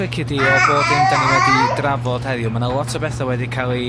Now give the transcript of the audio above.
lici di o bob dim 'dan ni wedi 'i drafod heddiw. Ma' 'na lot o bethw wedi ca'l 'u